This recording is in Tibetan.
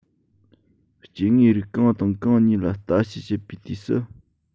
སྐྱེ དངོས རིགས གང དང གང གཉིས ལ ལྟ དཔྱད བྱེད པའི དུས སུ